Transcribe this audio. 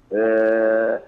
Ɛɛ